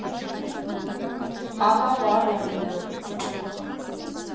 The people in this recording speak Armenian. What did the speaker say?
Ահա վառ օրինակ.